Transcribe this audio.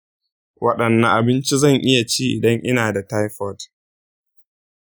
wadanne abinci zan iya ci idan ina da taifoid?